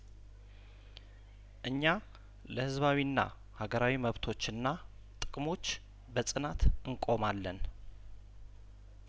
እኛ ለህዝባዊና ሀገራዊ መብቶችና ጥቅሞች በጽናት እንቆማለን